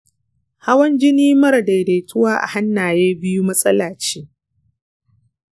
hawan jini mara daidaituwa a hannaye biyu matsala ce?